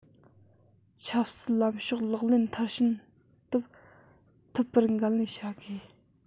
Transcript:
ཆབ སྲིད ལམ ཕྱོགས ལག ལེན མཐར ཕྱིན བསྟར ཐུབ པར འགན ལེན བྱ དགོས